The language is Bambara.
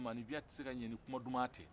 maanifinya tɛ se ka ɲa ni kuma dumani tɛ